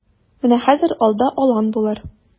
Менә хәзер алда алан булыр.